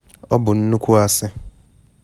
‘Ọ bụ nnukwu asị.